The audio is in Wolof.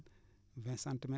vingt centimètres